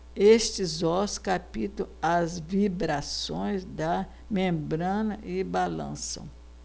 estes ossos captam as vibrações da membrana e balançam